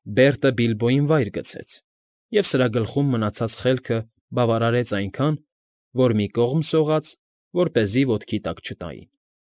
Բերտը Բիլբոյին վայր գցեց, և սրա գլխում մնացած խելքը բավարարեց այնքան, որ մի կողմ սողաց, որպեսզի ոտքի տակ չտային։